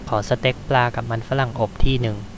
ขอสเต็กปลากับมันฝรั่งอบที่หนึ่ง